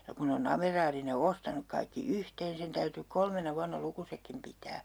ja kun ne on amiraali ne ostanut kaikki yhteen sen täytyi kolmena vuonna lukusetkin pitää